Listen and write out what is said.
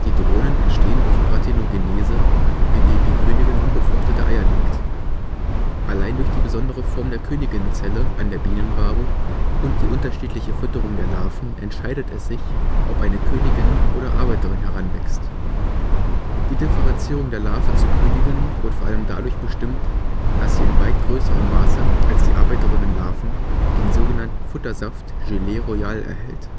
Drohnen entstehen durch Parthenogenese, indem die Königin unbefruchtete Eier legt. Allein durch die besondere Form der Königinnenzelle an der Bienenwabe und die unterschiedliche Fütterung der Larven entscheidet es sich, ob eine Königin oder Arbeiterin heranwächst. Die Differenzierung der Larve zur Königin wird vor allem dadurch bestimmt, dass sie in weit größerem Maße als die Arbeiterinnenlarven den sogenannten Futtersaft Gelée Royale erhält